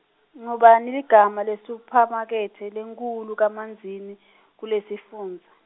ngubani ligama lesuphamakethe lenkhulu kaManzini, kulesifundza.